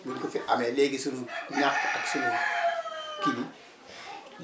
bu ñu ko fi amee léegi suñu ñàkk suñu kii bi